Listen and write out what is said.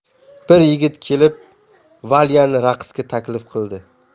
bir yigit kelib valyani raqsga taklif qildi